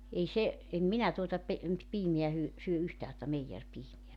ei se en minä tuota - piimää - syö yhtään tuota meijeripiimää